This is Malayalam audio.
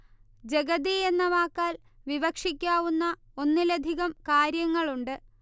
ജഗതി എന്ന വാക്കാൽ വിവക്ഷിക്കാവുന്ന ഒന്നിലധികം കാര്യങ്ങളുണ്ട്